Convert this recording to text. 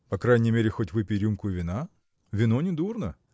– По крайней мере хоть выпей рюмку вина: вино недурно!